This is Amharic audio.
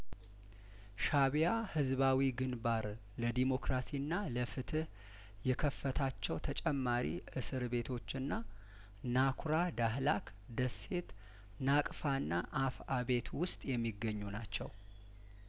ሻእቢያ ህዝባዊ ግንባር ለዴሞክራሲና ለፍትህ የከፈታቸው ተጨማሪ እስር ቤቶችናና ኩራ ዳህላክ ደሴትና ቅፍና አፍ አቤት ውስጥ የሚገኙ ናቸው